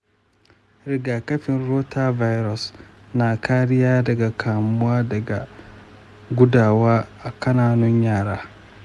rigakafin rota virus na kariya daga kamuwa da gudawa a kananun yara